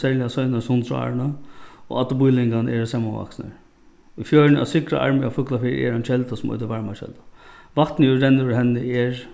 serliga seinastu hundrað árini og allir býlingarnir eru samanvaksnir í fjøruni á syðra armi á fuglafirði er ein kelda sum eitur varmakelda vatnið ið rennur úr henni er